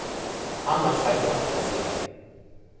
annars veit eg einki at siga